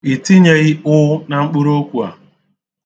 I tinyeghị 'ụ' na mkpụrụokwu a.